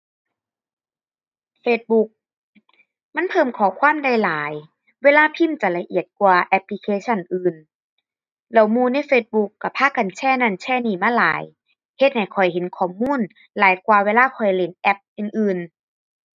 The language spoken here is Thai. Facebook มันเพิ่มข้อความได้หลาย เวลาพิมพ์ก็ละเอียดกว่าแอปพลิเคชันอื่น แล้วหมู่ใน Facebook ก็พากันแชร์นั่น แชร์นี่มาหลาย เฮ็ดให้ข้อยเห็นข้อมูลหลายกว่าเวลาข้อยเล่นแอปอื่นอื่น